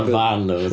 Fan oedd...